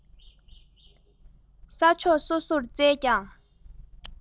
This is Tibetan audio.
ས ཕྱོགས སོ སོར བཙལ ཀྱང